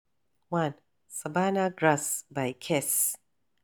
1. "Savannah Grass" by Kes